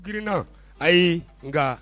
Trna ayi nka